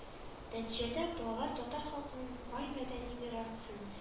Нәтиҗәдә балалар татар халкының бай мәдәни мирасын